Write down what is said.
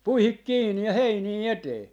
puihin kiinni ja heiniä eteen